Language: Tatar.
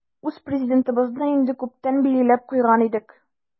Үз Президентыбызны инде күптән билгеләп куйган идек.